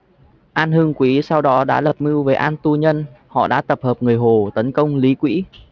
an hưng quý sau đó đã lập mưu với an tu nhân họ đã tập hợp người hồ tấn công lý quỹ